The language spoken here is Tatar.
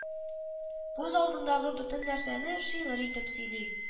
Күз алдындагы бөтен нәрсәне шигырь итеп сөйли